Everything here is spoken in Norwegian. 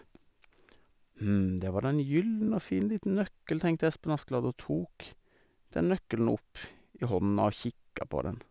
Hm, det var da en gyllen og fin liten nøkkel, tenkte Espen Askeladd, og tok den nøkkelen opp i hånda og kikka på den.